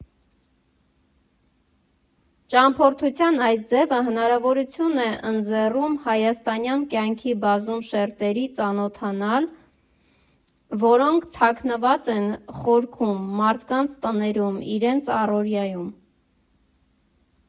Ճամփորդության այս ձևը հնարավորություն է ընձեռում հայաստանյան կյանքի բազում շերտերի ծանոթանալ, որոնք թաքնված են խորքում, մարդկանց տներում, իրենց առօրյայում։